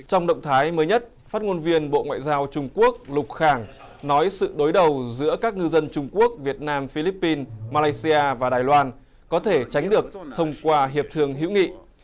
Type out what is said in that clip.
trong động thái mới nhất phát ngôn viên bộ ngoại giao trung quốc lục khạng nói sự đối đầu giữa các ngư dân trung quốc việt nam phi líp pin ma lay si a và đài loan có thể tránh được thông qua hiệp thương hữu nghị